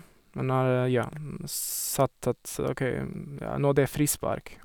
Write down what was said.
Men har, ja, sagt at OK, ja, nå det er frispark.